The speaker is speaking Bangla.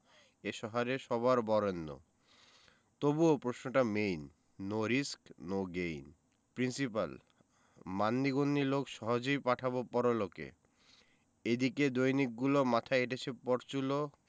এ শহরে সবার বরেণ্য তবুও প্রশ্নটা main no risk no gain principle মান্যিগন্যি লোক সহজেই পাঠাবো পরলোকে এদিকে দৈনিকগুলো মাথায় এঁটেছে পরচুলো